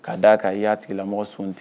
Ka da kan i ya tigila mɔgɔ so